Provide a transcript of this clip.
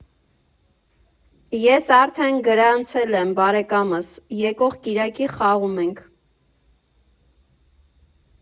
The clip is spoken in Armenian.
Ես արդեն գրանցել եմ, բարեկամս, եկող կիրակի խաղում ենք։